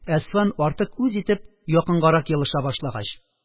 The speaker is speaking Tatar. Әсфан артык үз итеп якынгарак елыша башлагач.